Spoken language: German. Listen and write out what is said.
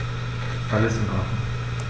Alles in Ordnung.